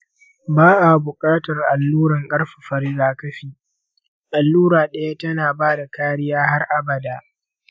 ba a buƙatar alluran ƙarfafa rigakafi; allura ɗaya tana ba da kariya har abada.